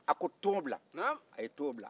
a ko to bila a ye to bila